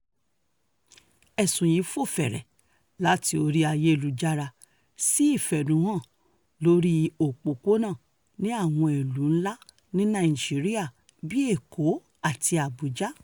Ẹ̀sùn yìí fò fẹ̀rẹ̀ láti orí ayélujára sí ìfẹ̀hónúhàn lóríi òpópónà ní àwọn ìlú ńlá ní Nàìjíríà bíi Èkó àti Abuja.